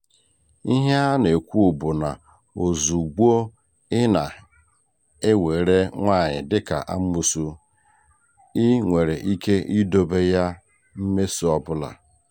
Ihe a na-ekwu bụ na ozugbo ị na-ewere nwaanyị dịka amoosu, ị nwere ike idobe ya mmeso ọ bụla.